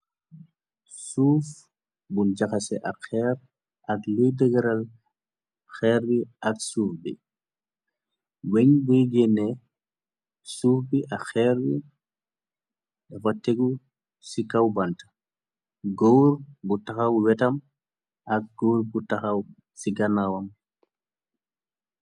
Suuf buñ jaxase ak xeer ak liy dëgëral xeer yi ak suuf bi. Weñ buy genne suuf bi ak xeer yi dafa tegu ci kaw bant, góor bu taxaw wetam, ak góor bu taxaw ci ganaawam.